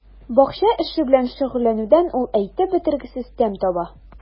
Бакча эше белән шөгыльләнүдән ул әйтеп бетергесез тәм таба.